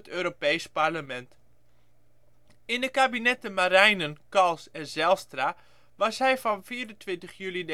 Europees Parlement. In de Kabinetten Marijnen, Cals en Zijlstra was hij van 24 juli 1963